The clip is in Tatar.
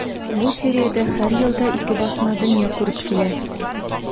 Бу сериядә һәр елда ике басма дөнья күреп килә.